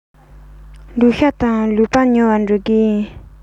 ལུག ཤ དང ལུག ལྤགས ཉོ བར འགྲོ གི ཡིན